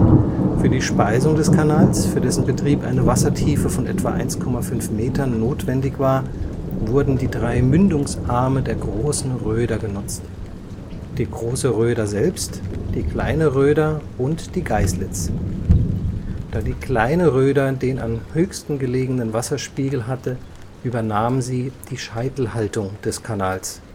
Für die Speisung des Kanals, für dessen Betrieb eine Wassertiefe von etwa 1,5 Meter notwendig war, wurden die drei Mündungsarme der Großen Röder genutzt; die Große Röder selbst, die Kleine Röder und die Geißlitz. Da die Kleine Röder den am höchsten gelegenen Wasserspiegel hatte, übernahm sie die Scheitelhaltung des Kanals